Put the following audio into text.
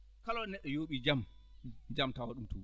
kalaɗo neɗɗo yooɓii jam jam tawa ɗum toon